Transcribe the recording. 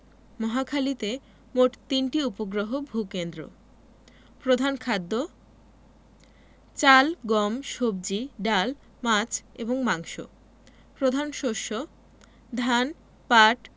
মহাখালীতে মোট তিনটি উপগ্রহ ভূ কেন্দ্র প্রধান খাদ্যঃ চাল গম সবজি ডাল মাছ এবং মাংস প্রধান শস্যঃ ধান পাট